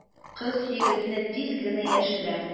Кыз егетне тиз генә яшерә.